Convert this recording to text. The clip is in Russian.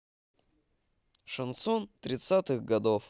шансон тридцатых годов